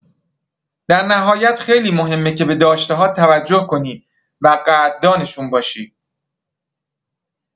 در نهایت، خیلی مهمه که به داشته‌هات توجه کنی و قدردانشون باشی.